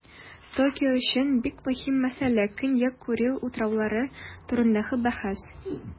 Токио өчен бик мөһим мәсьәлә - Көньяк Курил утраулары турындагы бәхәс.